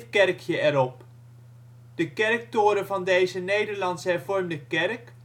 kerkje erop. De kerktoren van deze Nederlandse Hervormde kerk